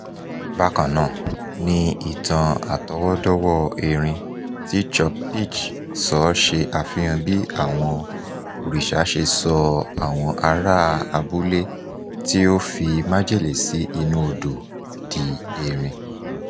Bákan náà ni ìtàn àtọwọ́dọ́wọ́ọ erin tí Chhot Pich sọ ṣe àfihàn bí àwọn òrìṣà ṣe sọ àwọn ará abúlé tí ó fi májèlé sí inú odò di erin.